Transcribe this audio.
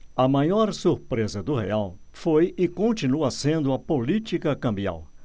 a maior surpresa do real foi e continua sendo a política cambial